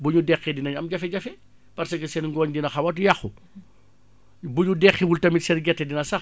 bu ñu deqee dinañ am jafe-jafe parce que seen ngooñ dina xaw a yàqu bu ñu deqiwul tamit seen gerte dina sax